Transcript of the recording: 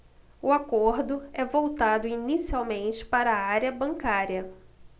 o acordo é voltado inicialmente para a área bancária